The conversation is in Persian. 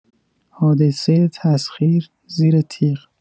حادثه تسخیر، زیر تیغ!